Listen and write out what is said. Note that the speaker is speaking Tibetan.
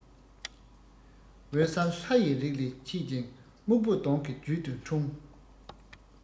འོད གསལ ལྷ ཡི རིགས ལས མཆེད ཅིང སྨུག པོ གདོང གི རྒྱུད དུ འཁྲུངས